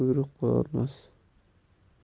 birovga quyruq bo'lolmas